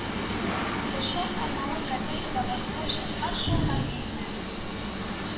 Русча атналык газетада басылып чыккан шул гади генә